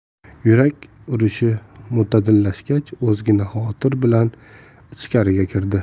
yurak urishi mo'tadillashgach ozgina xavotir bilan ichkariga kirdi